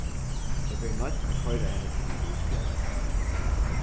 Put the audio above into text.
eg verði noydd at koyra hetta teppið í skrell